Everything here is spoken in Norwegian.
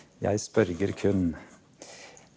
jeg spør kun.